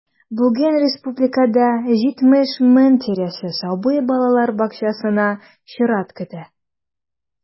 Бүген республикада 70 мең тирәсе сабый балалар бакчасына чират көтә.